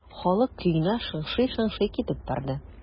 Халык көенә шыңшый-шыңшый китеп барды.